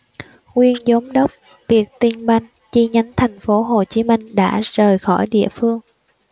nguyên giám đốc vietinbank chi nhánh thành phố hồ chí minh đã rời khỏi địa phương